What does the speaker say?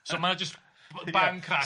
So ma' o jyst bang crash.